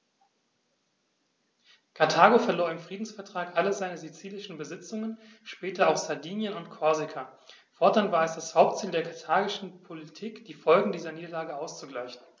Karthago verlor im Friedensvertrag alle seine sizilischen Besitzungen (später auch Sardinien und Korsika); fortan war es das Hauptziel der karthagischen Politik, die Folgen dieser Niederlage auszugleichen.